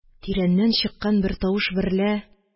Тирәннән чыккан бер тавыш берлә